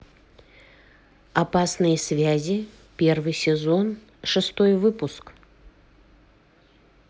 опасные связи первый сезон шестой выпуск